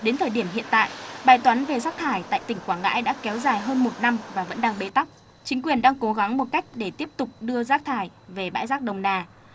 đến thời điểm hiện tại bài toán về rác thải tại tỉnh quảng ngãi đã kéo dài hơn một năm và vẫn đang bế tắc chính quyền đang cố gắng một cách để tiếp tục đưa rác thải về bãi rác đồng nà